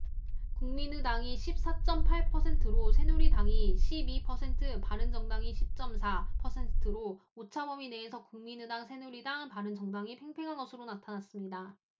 국민의당이 십 사 쩜 팔 퍼센트로 새누리당이 십 이 퍼센트 바른정당이 십 쩜 사 퍼센트로 오차범위 내에서 국민의당 새누리당 바른정당이 팽팽한 것으로 나타났습니다